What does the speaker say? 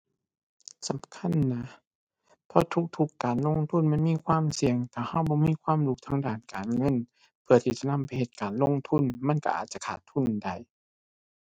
สำคัญนะ เพราะทุกทุกการลงทุนมันมีความเสี่ยง ถ้าเราบ่มีความรู้ทางด้านการเงิน เพื่อที่จะนำไปเฮ็ดการลงทุน มันเราอาจจะขาดทุนได้